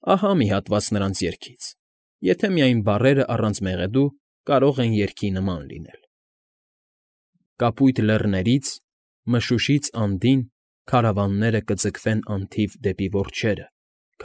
Ահա մի հատված նրանց երգից, եթե միայն բառերն առանց մեղեդու կարող են երգի նման լինել. Կապույտ լեռներից, մշուշից անդին Քարավանները կձգվեն անթիվ Դեպի որջերը,